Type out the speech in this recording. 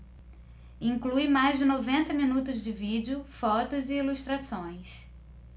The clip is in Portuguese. inclui mais de noventa minutos de vídeo fotos e ilustrações